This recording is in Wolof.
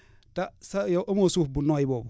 te sa yow amoo suuf bu nooy boobu